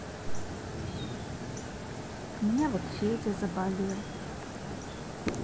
у меня вот федя заболел